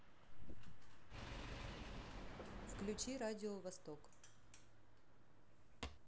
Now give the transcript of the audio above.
включи радио восток